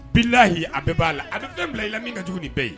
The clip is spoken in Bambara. Bilahi a bɛɛ b'a la. A bɛ fɛn bila i la, min ka jugu ni bɛɛ ye.